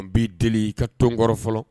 An b'i deli i ka tɔnonkɔrɔ fɔlɔ